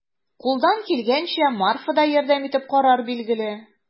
Кулдан килгәнчә Марфа да ярдәм итеп карар, билгеле.